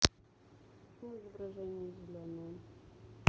почему изображение зеленое